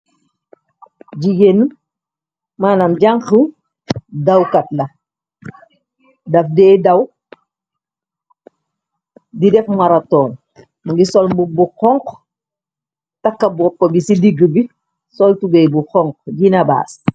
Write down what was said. Jigeen manam janku dawkat la daf dey daw di def maratoon mungi sol mbuba bu xonxu takka bopú bi ci diggi bi sol tubay bu xonxu Gina Bass.